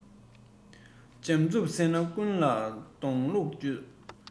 འཇམ རྩུབ བསྲེས ན ཀུན ལ འདོང ལུགས མཛོད